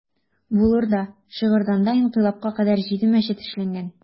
Булыр да, Шыгырданда инкыйлабка кадәр җиде мәчет эшләгән.